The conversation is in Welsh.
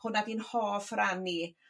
Hwnna 'di'n hoff ran i